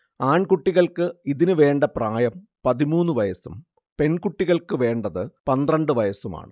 ആൺകുട്ടികള്‍ക്ക് ഇതിനു വേണ്ട പ്രായം പതിമൂന്ന് വയസ്സും പെൺകുട്ടികള്‍ക്കു വേണ്ടത് പന്ത്രണ്ട് വയസ്സുമാണ്